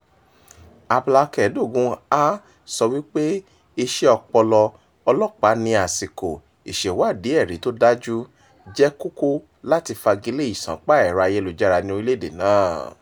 Abala 15a sọ wípé “iṣẹ́ ọpọlọ” ọlọ́pàá ní àsìkò "ìṣèwádìí ẹ̀rí tó dájú" jẹ́ kókó láti fagilé ìṣánpá ẹ̀rọ ayélujára ní orílẹ̀ èdè náà.